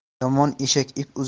yomon eshak ip uzar